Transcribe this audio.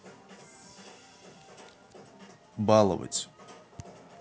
баловать